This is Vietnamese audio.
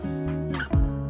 hương